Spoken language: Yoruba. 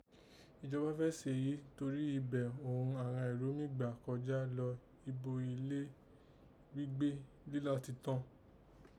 Ìjọba fẹ́ sèyí torí ibẹ̀ òghun àghan èrò mí gbà kọjá lọ ibo ilé gbígbé líla títọn